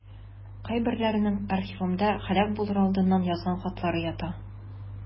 Кайберләренең архивымда һәлак булыр алдыннан язган хатлары ята.